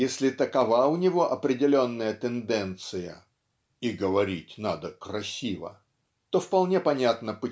если такова у него определенная тенденция ("и говорить надо красиво") то вполне понятно